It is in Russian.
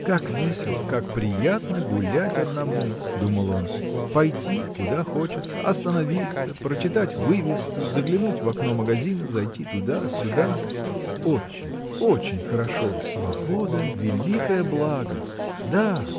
Как весело, как приятно гулять одному! – думал он – пойти – куда хочется остановиться прочитать вывеску заглянуть в окно магазина зайти туда сюда. очень, очень хорошо! Свобода – великое благо! Да!